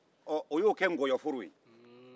o y'o ke nkɔyɔforo ye